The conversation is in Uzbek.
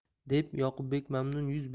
deb yoqubbek mamnun yuz